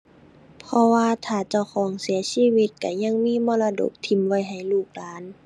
เพราะว่าถ้าเจ้าของเสียชีวิตก็ยังมีมรดกถิ้มไว้ให้ลูกหลาน